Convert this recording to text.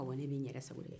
awɔ ne be n yɛrɛ sago de kɛ